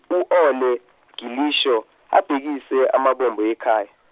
u Ole, Gilisho, abhekise ambhongo amabombo ekhaya.